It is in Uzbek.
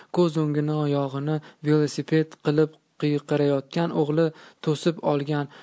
ko'z o'ngini oyog'ini velosiped qilib qiyqirayotgan o'g'li to'sib olgan